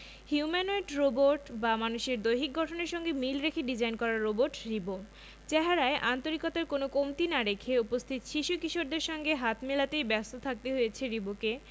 humanoid robot বা মানুষের দৈহিক গঠনের সঙ্গে মিল রেখে ডিজাইন করা রোবট রিবো চেহারায় আন্তরিকতার কোনো কমতি না রেখে উপস্থিত শিশু কিশোরদের সঙ্গে হাত মেলাতেই ব্যস্ত থাকতে হয়েছে রিবোকে